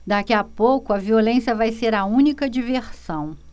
daqui a pouco a violência vai ser a única diversão